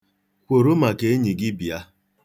Kworo maka enyi gị bịa.